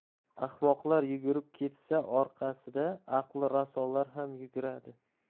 ahmoqlar yugurib ketsa orqasida aqli rasolar ham yuguradi